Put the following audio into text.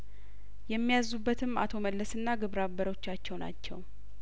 የሚ ያዙበትም አቶ መለስና ግብረ አበሮቻቸው ናቸው